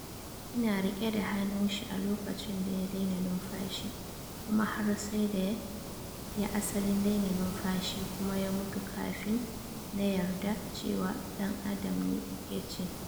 “Ina rike da hannun shi a lokacin da ya daina nunfashi kuma har sai da ya asalin daina numfashi kuma ya mutu kafin na yarda cewa dan Adam ne,” ya ce.